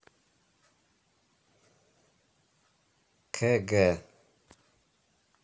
kg